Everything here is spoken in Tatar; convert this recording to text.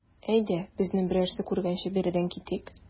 Әйдә, безне берәрсе күргәнче биредән китик.